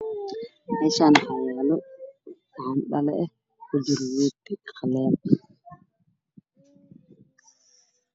Meshaan waxaa yaalo Haan dhala ah ku jiro rooti qalel ah